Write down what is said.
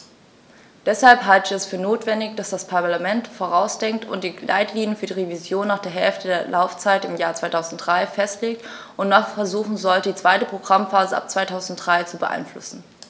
Deshalb halte ich es für notwendig, dass das Parlament vorausdenkt und die Leitlinien für die Revision nach der Hälfte der Laufzeit im Jahr 2003 festlegt und noch versuchen sollte, die zweite Programmphase ab 2003 zu beeinflussen.